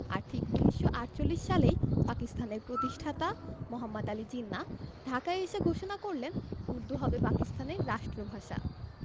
আর ঠিক ১৯৪৮ সালেই পাকিস্তানের প্রতিষ্ঠাতা মোহাম্মদ আলী জিন্নাহ ঢাকা এসে ঘোষণা করলেন উর্দু হবে পাকিস্তানের রাষ্ট্রভাষা